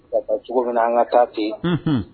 A taa cogo min an ka taa fɛ yen